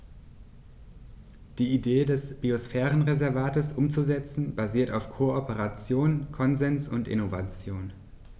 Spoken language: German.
Die Idee des Biosphärenreservates umzusetzen, basiert auf Kooperation, Konsens und Innovation.